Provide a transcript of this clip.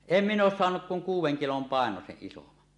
en minä ole saanut kuin kuuden kilon painoisen isomman